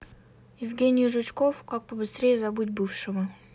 евгений жучков как побыстрее забыть бывшего